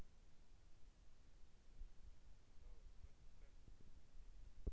слава спросишь как меня все окей